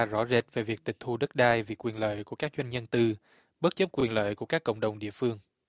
rõ rệt về việc tịch thu đất đai vì quyền lợi của các doanh nhân tư bất chấp quyền lợi của các cộng đồng địa phương